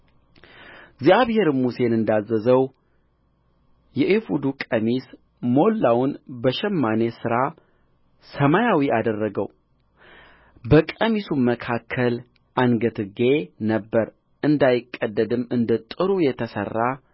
እግዚአብሔርም ሙሴን እንዳዘዘው የኤፉዱን ቀሚስ ሞላውን በሸማኔ ሥራ ሰማያዊ አደረገው በቀሚሱም መካከል አንገትጌ ነበረ እንዳይቀደድም እንደ ጥሩር የተሠራ